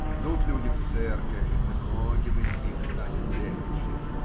Пойдут люди в церковь; многим из них станет легче.